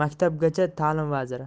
maktabgacha ta'lim vaziri